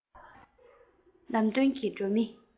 ལམ སྟོན གྱི སྒྲོན མེ